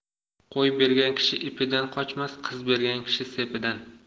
qo'y bergan kishi ipidan qochmas qiz bergan kishi sepidan